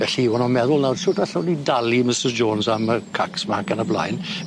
Felly ma' nw'n meddwl nawr shwt allwn ni dalu Misys Jones am y cacs 'ma ac yn y blaen